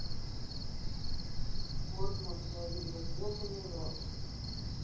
порно блядь горно ебаный в рот